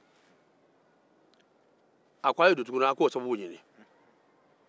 a ko a' ye don tuguni a' k'o sababu ɲini